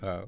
waaw